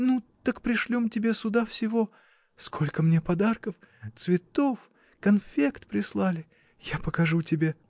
— Ну, так пришлем тебе сюда всего. Сколько мне подарков. цветов. конфект прислали!. Я покажу тебе.